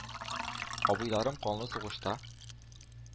Абыйларым канлы сугышта